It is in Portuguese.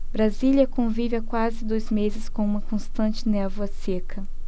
brasília convive há quase dois meses com uma constante névoa seca